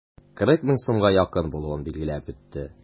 40 мең сумга якын булуын билгеләп үтте.